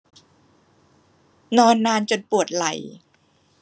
นอนนานจนปวดไหล่